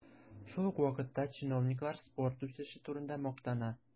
Шул ук вакытта чиновниклар спорт үсеше турында мактана.